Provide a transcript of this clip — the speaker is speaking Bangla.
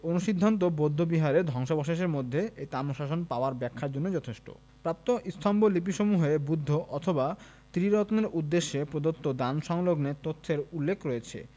অনুসিদ্ধান্তই বৌদ্ধ বিহারের ধ্বংসাবশেষের মধ্যে এ তাম্রশাসন পাওয়ার ব্যাখ্যার জন্য যথেষ্ট প্রাপ্ত স্তম্ভলিপিসমূহে বুদ্ধ অথবা ত্রিরত্নের উদ্দেশ্যে প্রদত্ত দান সংক্রান্ত তথ্যের উল্লেখ রয়েছে